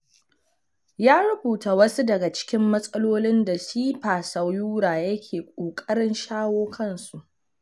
Ya rubuta wasu daga cikin matsalolin da Shipa Sayura yake ƙoƙarin shawo kansu.